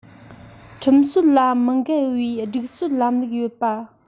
ཁྲིམས སྲོལ ལ མི འགལ བའི སྒྲིག སྲོལ ལམ ལུགས ཡོད པ